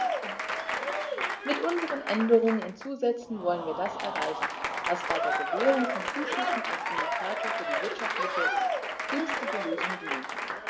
Mit unseren Änderungen und Zusätzen wollen wir das erreichen, was bei der Gewährung von Zuschüssen als Indikator für die wirtschaftlich günstigste Lösung dienen kann.